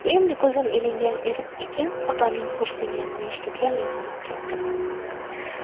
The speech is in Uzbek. endi ko'zim ilingan ekan opamning xo'rsinganini eshitib yana uyg'onib ketdim